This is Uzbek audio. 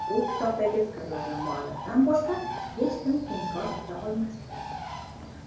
bu kitobdagi fikrlarni muallifdan boshqa hech kim inkor eta olmasa kerak